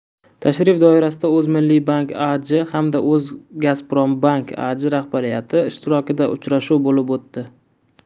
tashrif doirasida o'zmilliybank aj hamda gazprombank aj rahbariyati ishtirokida uchrashuv bo'lib o'tdi